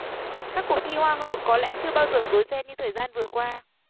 các cuộc thi hoa hậu có lẽ chưa bao giờ rối ren như thời gian vừa qua